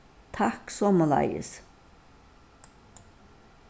takk somuleiðis